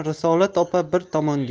risolat opa bir tomonga